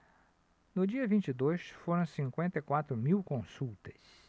no dia vinte e dois foram cinquenta e quatro mil consultas